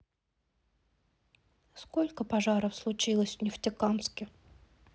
сколько пожаров случилось в нефтекамске